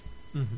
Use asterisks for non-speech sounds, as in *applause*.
*hesitation* *hesitation*